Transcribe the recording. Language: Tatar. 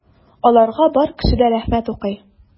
Аларга бар кеше дә рәхмәт укый.